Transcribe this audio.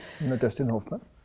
med Dustin Hoffman?